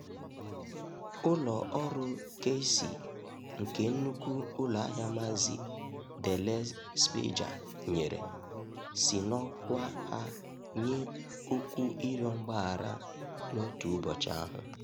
Ụlọ ọrụ keisi nke nnukwu ụlọ ahịa Maxi, Delez Srbija, nyere si n'ọkwa ha nye okwu ịrịọ mgbaghara n'otu ụbọchị ahụ.